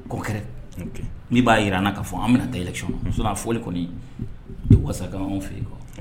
Kɔ n'i b'a jira n kaa fɔ an bɛna taaɛlɛnc muso foli kɔni wasa fɛ yen kɔ